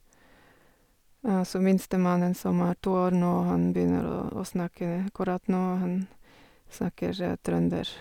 Så minstemannen, som er to år nå, han begynner å å snakke akkurat nå, han snakker trønder.